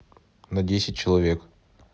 на десять человек